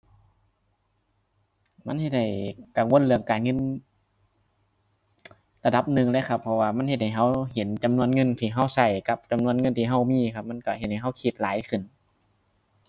มันเฮ็ดให้กังวลเรื่องการเงิน ระดับหนึ่งเลยครับเพราะว่ามันเฮ็ดให้เราเห็นจำนวนเงินที่เราเรากับจำนวนเงินที่เรามีครับมันเราเฮ็ดให้เราคิดหลายขึ้น